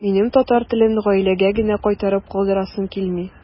Минем татар телен гаиләгә генә кайтарып калдырасым килми.